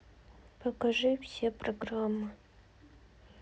покажи все программы